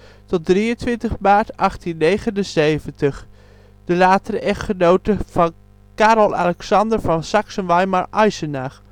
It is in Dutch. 1824 - 23 maart 1879), de latere echtgenote van Karel Alexander van Saksen-Weimar-Eisenach